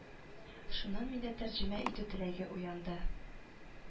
Шуннан миндә тәрҗемә итү теләге уянды